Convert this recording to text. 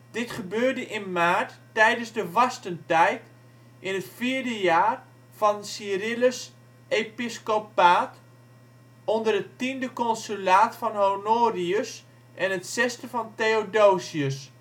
Dit gebeurde in maart, tijdens de vastentijd, in het vierde jaar van Cyrillus ' episcopaat, onder het tiende consulaat van Honorius en het zesde van Theodosius